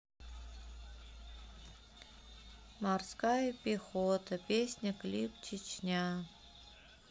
морская пехота песня клип чечня